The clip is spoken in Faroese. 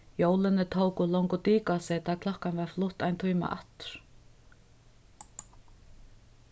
jólini tóku longu dik á seg tá klokkan varð flutt ein tíma aftur